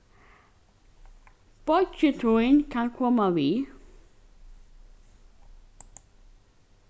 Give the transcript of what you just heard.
beiggi tín kann koma við